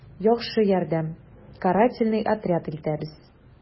«яхшы ярдәм, карательный отряд илтәбез...»